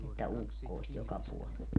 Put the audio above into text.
että ukkosta joka puolella